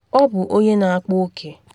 Ọ bụ onye na akpa oke.